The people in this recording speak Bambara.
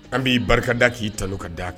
An b'i barika da k'i talo ka d'a kan